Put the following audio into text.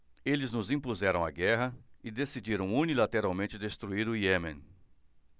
eles nos impuseram a guerra e decidiram unilateralmente destruir o iêmen